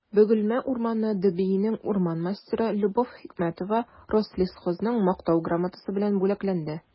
«бөгелмә урманы» дбинең урман мастеры любовь хикмәтова рослесхозның мактау грамотасы белән бүләкләнде